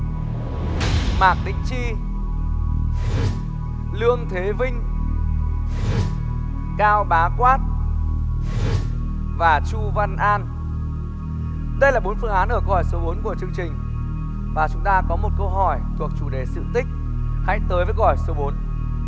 mạc đĩnh chi lương thế vinh cao bá quát và chu văn an đây là bốn phương án ở câu hỏi số bốn của chương trình và chúng ta có một câu hỏi thuộc chủ đề sự tích hãy tới với câu hỏi số bốn